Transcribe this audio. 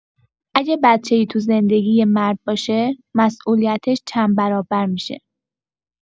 اگه بچه‌ای تو زندگی یه مرد باشه، مسئولیتش چندبرابر می‌شه.